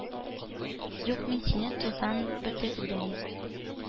Юк, мин сине тузан бөртегедәй